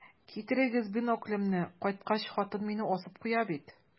Китерегез биноклемне, кайткач, хатын мине асып куя бит.